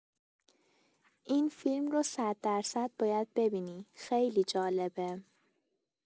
این فیلم رو صددرصد باید ببینی، خیلی جالبه!